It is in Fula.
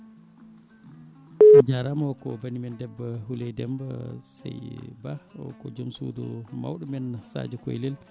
a jarama o ko banimen debbo Houleye Demba seydi Ba o ko joom suudu mawɗo men Sadio Koylel